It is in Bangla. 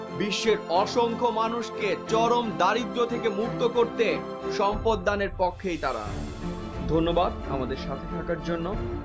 বিশ্বের অসংখ্য মানুষ কে দারিদ্র থেকে মুক্ত করতে সম্পদ দান এর পক্ষে তারা ধন্যবাদ আমাদের সাথে থাকার জন্য